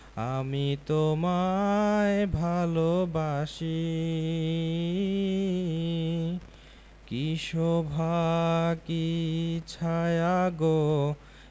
আমি তোমায় ভালোবাসি কী শোভা কী ছায়া গো